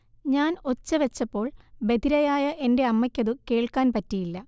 ഞാൻ ഒച്ച വെച്ചപ്പോൾ ബധിരയായ എന്റെ അമ്മയ്ക്കതു കേൾക്കാൻ പറ്റിയില്ല